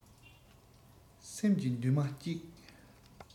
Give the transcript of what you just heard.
སེམས ཀྱི མདུན མ གཅིག